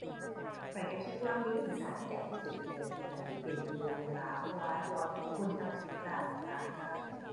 ข้อยก็คิดว่าเพลงอีสานที่ดังที่สุดนี่ก็น่าจิเป็นบุญผลา เพราะว่ายอดวิวเพิ่นตั้งสิบล้าน หลายคัก